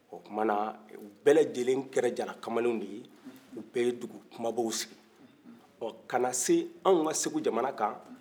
o kumana u bɛ lajɛlen kɛra jara kamalenw de ye u bɛ ye dugu kuma kana se anw ka segu jamana kan